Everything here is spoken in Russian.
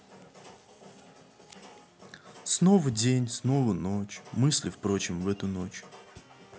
снова день снова ночь мысли впрочем в эту ночь